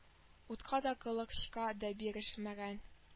Утка да кылычка да бирешмәгән